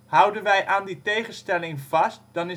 Houden wij aan die tegenstelling vast dan